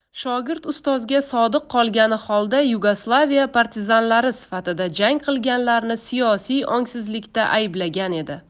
shogird ustozga sodiq qolgani holda yugoslaviya partizanlari safida jang qilganlarni siyosiy ongsizlikda ayblagan edi